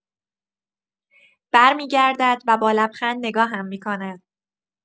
برمی‌گردد و با لبخند نگاهم می‌کند.